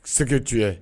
Sigi tun ye